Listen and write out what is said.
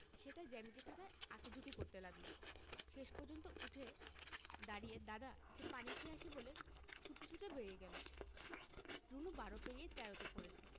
সে তার জ্যামিতি খাতায় আঁকি ঝুকি করতে লাগলো শেষ পর্যন্ত উঠে দাড়িয়ে দাদা একটু পানি খেয়ে আসি বলে ছুটতে ছুটতে বেরিয়ে গেল রুনু বারো পেরিয়ে তেরোতে পড়েছে